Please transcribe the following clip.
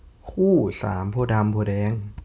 คู่สามโพธิ์ดำโพธิ์แดง